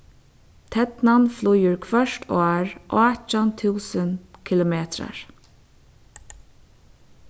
ternan flýgur hvørt ár átjan túsund kilometrar